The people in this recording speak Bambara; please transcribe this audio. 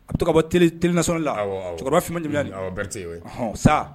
A bɛ to bɔ télé nationale la, awɔ, cɛkɔrɔba Berete awɔ sa